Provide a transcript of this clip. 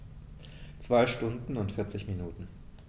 2 Stunden und 40 Minuten